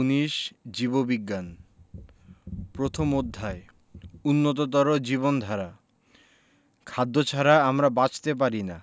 ১৯ জীববিজ্ঞান প্রথম অধ্যায় উন্নততর জীবনধারা খাদ্য ছাড়া আমরা বাঁচতে পারি না